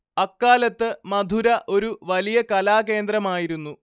അക്കാലത്ത് മധുര ഒരു വലിയ കലാകേന്ദ്രമായിരുന്നു